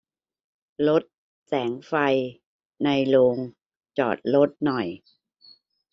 ลดแสงไฟในโรงจอดรถหน่อย